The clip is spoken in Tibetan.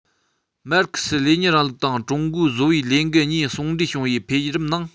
མར ཁེ སི ལེ ཉིན རིང ལུགས དང ཀྲུང གོའི བཟོ པའི ལས འགུལ གཉིས ཟུང འབྲེལ བྱུང བའི འཕེལ རིམ ནང